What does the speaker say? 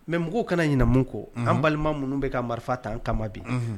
Mɛ mɔgɔw kana ɲɛna ko an balima minnu bɛ ka marifa tan an kama bi